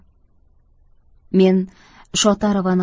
men shoti aravani